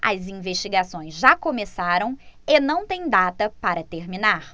as investigações já começaram e não têm data para terminar